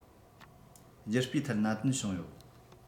རྒྱུ སྤུས ཐད གནད དོན བྱུང ཡོད